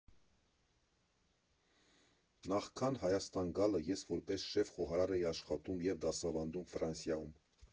Նախքան Հայաստան գալը ես որպես շեֆ֊խոհարար էի աշխատում և դասավանդում Ֆրանսիայում։